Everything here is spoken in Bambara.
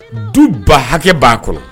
Du ba hakɛ b'a kɔnɔ.